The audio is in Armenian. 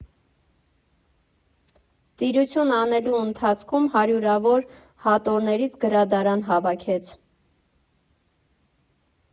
Տիրություն անելու ընթացքում հարյուրավոր հատորներից գրադարան հավաքեց։